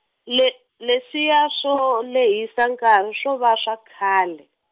le leswiya swo lehisa nkarhi swo va swa khale.